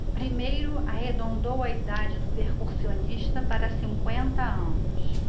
primeiro arredondou a idade do percussionista para cinquenta anos